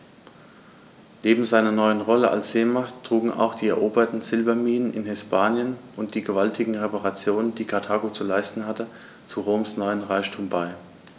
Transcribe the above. Neben seiner neuen Rolle als Seemacht trugen auch die eroberten Silberminen in Hispanien und die gewaltigen Reparationen, die Karthago zu leisten hatte, zu Roms neuem Reichtum bei.